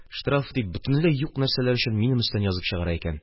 Штраф дип, бөтенләй юк нәрсәләр өчен минем өстән язып чыгара икән